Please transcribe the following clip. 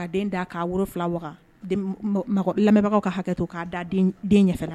Ka' wolo wolonwula waga lamɛnbagaw ka hakɛ k'a denɛrɛ